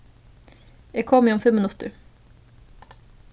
eg komi um fimm minuttir